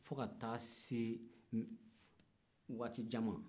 fo ka taa se waati jan ma